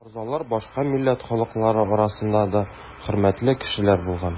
Морзалар башка милләт халыклары арасында да хөрмәтле кешеләр булган.